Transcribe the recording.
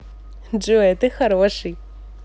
джой а ты хороший